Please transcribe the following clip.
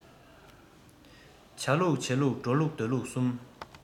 བྱ ལུགས བྱེད ལུགས འགྲོ ལུགས སྡོད ལུགས གསུམ